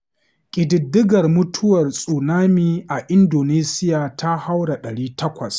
Ƙididdigar Mutuwar Tsunami a Indonesiya Ta Haura 800